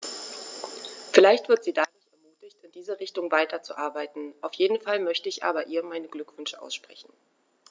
Vielleicht wird sie dadurch ermutigt, in diese Richtung weiterzuarbeiten, auf jeden Fall möchte ich ihr aber meine Glückwünsche aussprechen.